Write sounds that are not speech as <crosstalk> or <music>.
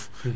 <hesitation> <hesitation>